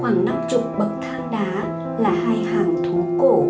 khoảng năm chục bậc thang đá là hai hàng thú cổ